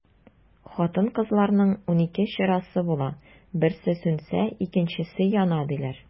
Хатын-кызларның унике чырасы була, берсе сүнсә, икенчесе яна, диләр.